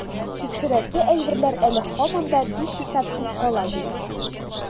Тикшерәсе әйберләр әле һаман да бихисап күп кала бирә.